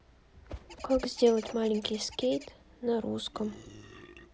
как сделать маленький скейт на русском